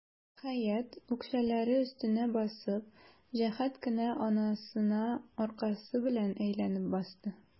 Хәят, үкчәләре өстенә басып, җәһәт кенә анасына аркасы белән әйләнеп басты.